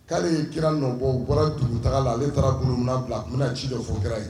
K'ale kira nɔbɔ bɔra tun taga la ale taara kulu bila si dɔ fɔ kira ye